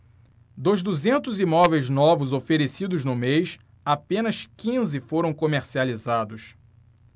dos duzentos imóveis novos oferecidos no mês apenas quinze foram comercializados